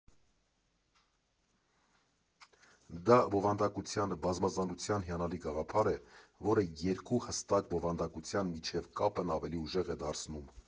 Դա բովանդակության բազմազանության հիանալի գաղափար է, որը երկու հստակ բովանդակության միջև կապն ավելի ուժեղ է դարձնում։